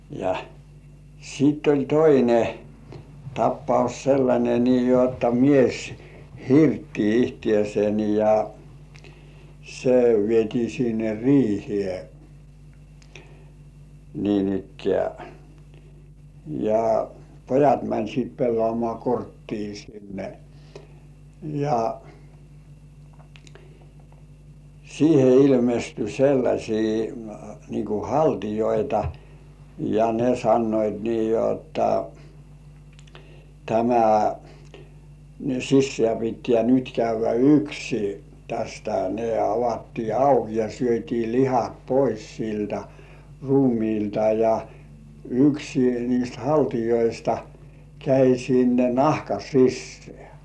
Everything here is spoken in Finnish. ja sitten oli toinen tapaus sellainen niin jotta mies hirtti itsensä ja se vietiin sinne riiheen niinikään ja pojat meni sitten pelaamaan korttia sinne ja siihen ilmestyi sellaisia niin kuin haltioita ja ne sanoivat niin jotta tämä sisään pitää nyt käydä yksi tästä ne avattiin auki ja syötiin lihat pois siltä ruumiilta ja yksi niistä haltioista kävi sinne nahan sisään